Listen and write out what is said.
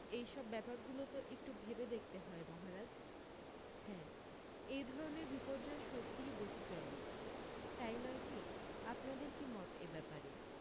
এইসব ব্যাপারগুলো তো একটু ভেবে দেখতে হয় মহারাজ হ্যাঁ এই ধরণের বিপর্যয় সত্যিই দুখজনক তাই নয় কী আপনাদের কী মত এই ব্যাপারে